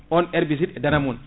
on herbicide e dara mun